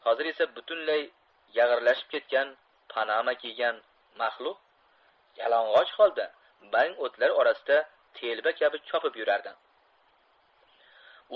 hozir esa butunlay yag'irlashib ketgan panama kiygan maxluq yalang'och holda bang o'tlar orasida telba kabi chopib yurardi